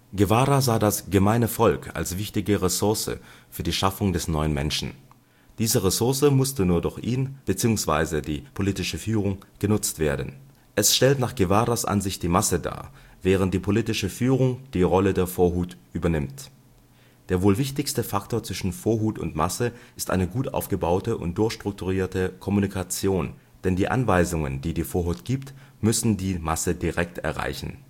Guevara sah das gemeine Volk als wichtige Ressource für die Schaffung des neuen Menschen. Diese Ressource musste nur durch ihn, bzw. die politische Führung, genutzt werden. Es stellt nach Guevaras Ansicht die Masse dar, während die politische Führung die Rolle der Vorhut übernimmt. Der wohl wichtigste Faktor zwischen Vorhut und Masse ist eine gut aufgebaute und durchstrukturierte Kommunikation, denn die Anweisungen, die die Vorhut gibt, müssen die Masse direkt erreichen